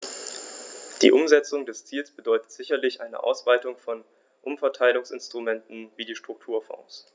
Die Umsetzung dieses Ziels bedeutet sicherlich eine Ausweitung von Umverteilungsinstrumenten wie die Strukturfonds.